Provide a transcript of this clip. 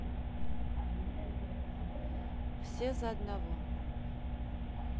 все за одного